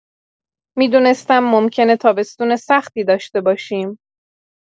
می‌دونستم ممکنه تابستون سختی داشته باشیم.